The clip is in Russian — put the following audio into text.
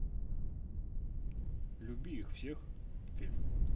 люби их всех фильм